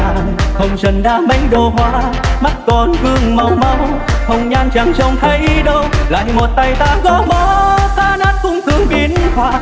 hồng trần đã mấy độ hoa mắt còn lưu màu máu hồng nhan chẳng chông thấy đâu lại một tay ta gõ mõ phá nát khung cương thường biến họa